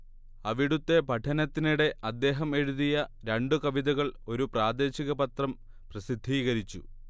അവിടുത്തെ പഠനത്തിനിടെ അദ്ദേഹം എഴുതിയ രണ്ടു കവിതകൾ ഒരു പ്രാദേശിക പത്രം പ്രസിദ്ധീകരിച്ചു